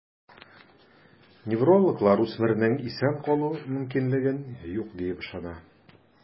Неврологлар үсмернең исән калу мөмкинлеге юк диеп ышана.